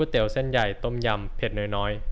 ก๋วยเตี๋ยวเส้นใหญ่ต้มยำเผ็ดน้อยน้อย